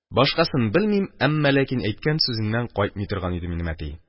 Башкасын белмим, әмма ләкин әйткән сүзеннән кайтмый торган иде минем әти.